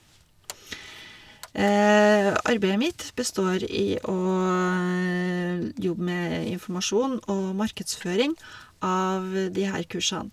Arbeidet mitt består i å l jobbe med informasjon og markedsføring av de her kursene.